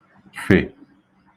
fè